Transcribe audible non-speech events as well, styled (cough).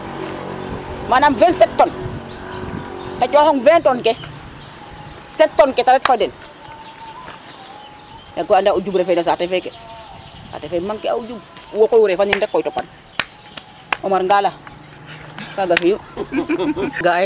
manam 27 tonnes a coxong 20 tonnes ke 7 tonnes ke te ret fa den yag koy anda ye o jub refe no saate feke saate fe manquer a o jub wo koy refa nin (applause) rek topan (noise) Omar Gala kaga fi u (laughs)